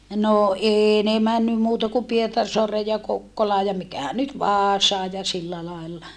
no ei ne mennyt muuta kuin Pietarsaareen ja Kokkolaan ja mikähän nyt Vaasaan ja sillä lailla